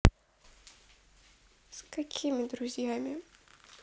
с какими друзьями